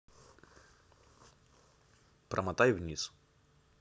промотай вниз